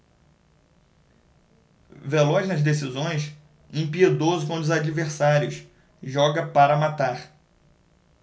veloz nas decisões impiedoso com os adversários joga para matar